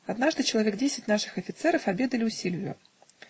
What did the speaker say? Однажды человек десять наших офицеров обедали у Сильвио.